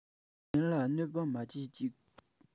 གཞན ལ གནོད པ མ བྱེད ཅིག